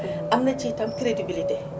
am na ci itam crédibilité